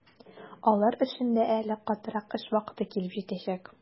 Алар өчен дә әле катырак эш вакыты килеп җитәчәк.